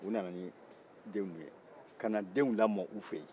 u nana ni denw ye ka na denw lamɔ u fɛ yen